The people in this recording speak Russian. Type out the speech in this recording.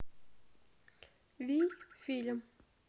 вий фильм